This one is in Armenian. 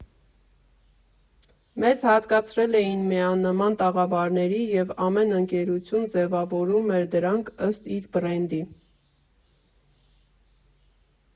«Մեզ հատկացրել էին միանման տաղավարներ և ամեն ընկերություն ձևավորում էր դրանք ըստ իր բրենդի։